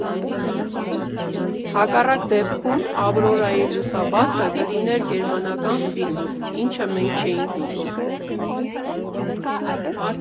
Հակառակ դեպքում «Ավրորայի լուսաբացը» կլիներ գերմանական ֆիլմ, ինչը մենք չէինք ուզում։